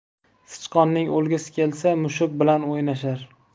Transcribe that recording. sichqonning o'lgisi kelsa mushuk bilan o'ynashar